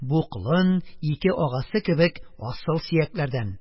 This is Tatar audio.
Бу колын ике агасы кебек асыл сөякләрдән